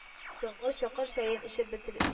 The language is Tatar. Соңгы чокыр чәен эчеп бетерг